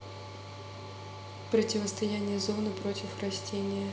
противостояние зоны против растения